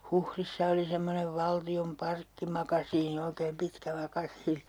Huhdissa oli semmoinen valtion parkkimakasiini oikein pitkä makasiini